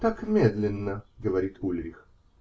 -- Так медленно, -- говорит Ульрих.